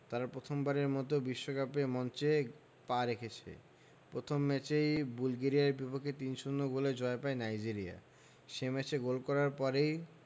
তারা প্রথমবারের মতো বিশ্বকাপের মঞ্চে পা রেখেছে প্রথম ম্যাচেই বুলগেরিয়ার বিপক্ষে ৩ ০ গোলের জয় পায় নাইজেরিয়া সে ম্যাচে গোল করার পরেই